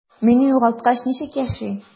Мине югалткач, ничек яши?